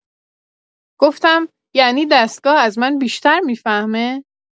گفتم: «یعنی دستگاه از من بیشتر می‌فهمه؟»